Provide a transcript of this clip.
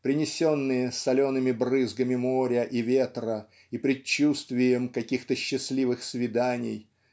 принесенные солеными брызгами моря и ветра и предчувствием каких-то счастливых свиданий